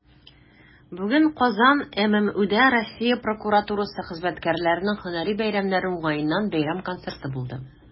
Бүген "Казан" ММҮдә Россия прокуратурасы хезмәткәрләренең һөнәри бәйрәмнәре уңаеннан бәйрәм концерты булды.